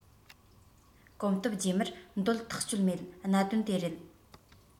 གོམ སྟབས རྗེས མར འདོད ཐག ཆོད མེད གནད དོན དེ རེད